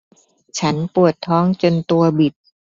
ฉันปวดท้องจนตัวบิด